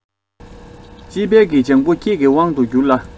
དཔྱིད དཔལ གྱི ལྗང བུ ཁྱེད ཀྱི དབང དུ གྱུར ལ